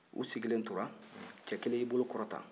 u sigilen tora cɛ kelen y'i bolo kɔrɔta